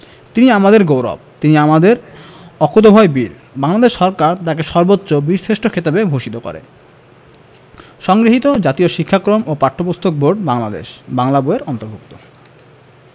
তিনি আমাদের গৌরব তিনি আমাদের অকুতোভয় বীর বাংলাদেশ সরকার তাঁকে সর্বোচ্চ বীরশ্রেষ্ঠ খেতাবে ভূষিত করে সংগৃহীত জাতীয় শিক্ষাক্রম ও পাঠ্যপুস্তক বোর্ড বাংলাদেশ বাংলা বই এর অন্তর্ভুক্ত